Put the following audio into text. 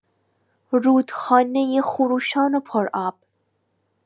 رودخانه خروشان و پرآب